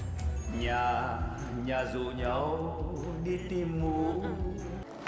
nhà nhà rủ nhau đi tìm mũ